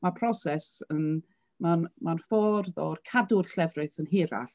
Ma' proses yn... mae'n mae'n ffordd o'r cadw'r llefrith yn hirach.